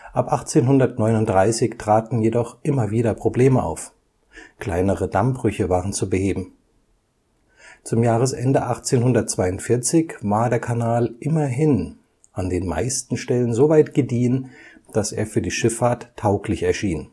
Ab 1839 traten jedoch immer wieder Probleme auf – kleinere Dammbrüche waren zu beheben. Zum Jahresende 1842 war der Kanal immerhin „ an den meisten Stellen so weit gediehen, daß er für die Schifffahrt tauglich erschien